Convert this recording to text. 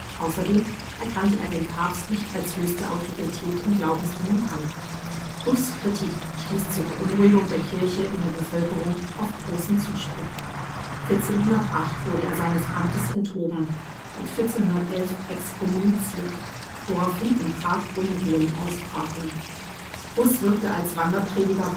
Außerdem erkannte er den Papst nicht als höchste Autorität in Glaubensdingen an. Hus’ Kritik stieß zur Beunruhigung der Kirche in der Bevölkerung auf großen Zuspruch. 1408 wurde er seines Amtes enthoben und 1411 exkommuniziert, woraufhin in Prag Unruhen ausbrachen. Hus wirkte als Wanderprediger